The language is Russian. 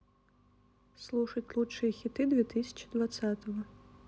слушать лучшие хиты две тысячи двадцатого